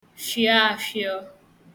fịafịọ